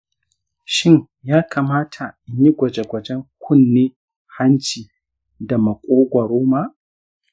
shin ya kamata in yi gwaje-gwajen kunne hanci da makogwaro ma?